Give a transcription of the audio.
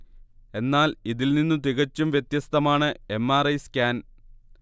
എന്നാൽ ഇതിൽനിന്നു തികച്ചും വ്യത്യസ്തമാണ് എം. ആർ. ഐ. സ്കാൻ